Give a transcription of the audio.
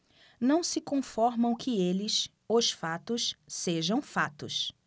não se conformam que eles os fatos sejam fatos